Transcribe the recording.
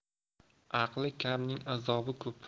aqli kamning azobi ko'p